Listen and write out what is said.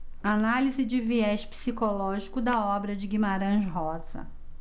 análise de viés psicológico da obra de guimarães rosa